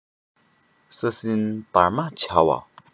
ས སྲིན འབར མ བྱ བ